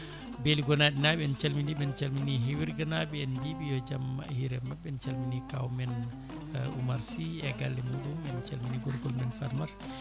Beeli Gonaɗi naaɓe en calminiɓe en calmini Hiwirgua naaɓe en mbiɓe yo jaam hiire mabɓe en calmini kawmen Oumar Sy e galle muɗum en gorgol men Farmata